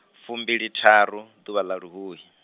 fumbilitharu, ḓuvha ḽa luhuhi.